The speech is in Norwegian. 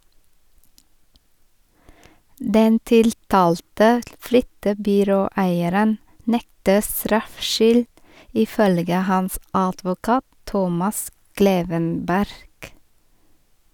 Den tiltalte flyttebyråeieren nekter straffskyld, ifølge hans advokat, Thomas Klevenberg.